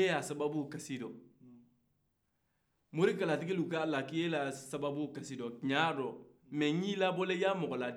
morikalatigiw k'a la k'e ka sababu bɛ kasi la tiɲɛ b'a la mɛ n y'i labɔla i y'a mɔgɔladiyala de nun ma